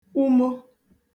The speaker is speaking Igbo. umo